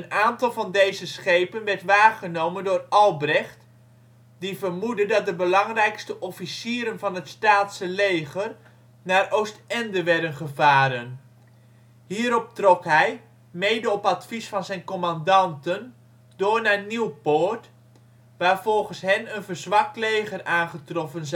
aantal van deze schepen werd waargenomen door Albrecht, die vermoedde dat de belangrijkste officieren van het Staatse leger naar Oostende werden gevaren. Hierop trok hij, mede op advies van zijn commandanten, door naar Nieuwpoort waar volgens hen een verzwakt leger aangetroffen